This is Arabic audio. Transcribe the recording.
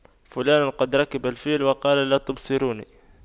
فلان قد ركب الفيل وقال لا تبصروني